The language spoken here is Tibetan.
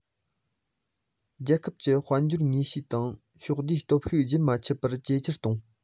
རྒྱལ ཁབ ཀྱི དཔལ འབྱོར དངོས ཤུགས དང ཕྱོགས བསྡུས སྟོབས ཤུགས རྒྱུན མ འཆད པར ཇེ ཆེར གཏོང